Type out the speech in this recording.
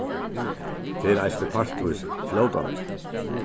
tað er eisini partvíst flótandi